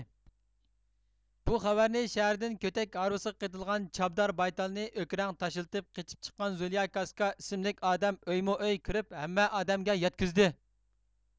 بۇ خەۋەرنى شەھەردىن كۆتەك ھارۋىسىغا قېتىلغان چابدار بايتالنى ئۆكىرەڭ تاشلىتىپ قېچىپ چىققان زۇليا كاسكا ئىسىملىك ئادەم ئۆيمۇ ئۆي كىرىپ ھەممە ئادەمگە يەتكۈزدى